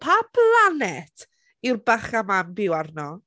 Pa blanet, yw'r bachgen ma'n byw arno?